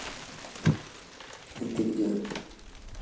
а ты где